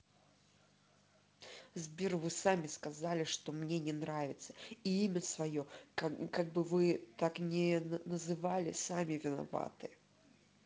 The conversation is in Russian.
сбер вы сами сказали что мне не нравится и имя свое как бы вы так вы не называете сами виноваты